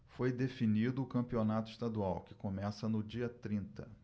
foi definido o campeonato estadual que começa no dia trinta